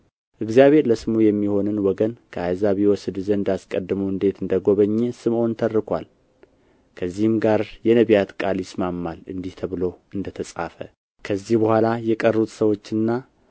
እግዚአብሔር ለስሙ የሚሆንን ወገን ከአሕዛብ ይወስድ ዘንድ አስቀድሞ እንዴት እንደ ጐበኘ ስምዖን ተርኮአል ከዚህም ጋር የነቢያት ቃል ይሰማማል እንዲህ ተብሎ እንደ ተጻፈ ከዚህ በኋላ የቀሩት ሰዎችና